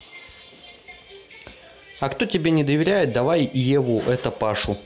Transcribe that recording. а кто тебе не доверяет давай еву это пашу